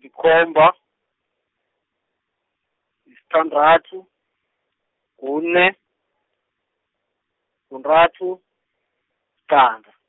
likhomba, yisithandathu, kune, kuntathu, liqanda.